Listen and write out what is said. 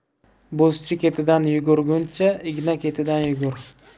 bo'zchi ketidan yugurguncha igna ketidan yugur